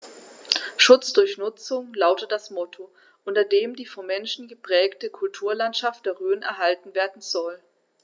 „Schutz durch Nutzung“ lautet das Motto, unter dem die vom Menschen geprägte Kulturlandschaft der Rhön erhalten werden soll.